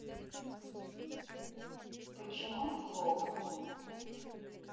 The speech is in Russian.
почему плохо